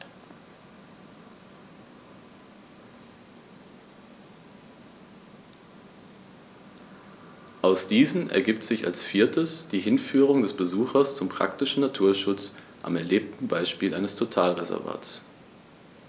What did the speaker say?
Aus diesen ergibt sich als viertes die Hinführung des Besuchers zum praktischen Naturschutz am erlebten Beispiel eines Totalreservats.